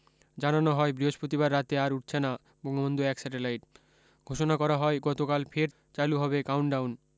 জানানো হয় বৃহস্পতিবার রাতে আর উড়ছে না বঙ্গবন্ধু ১ স্যাটেলাইট ঘোষণা করা হয় গতকাল ফের চালু হবে কাউন্টডাউন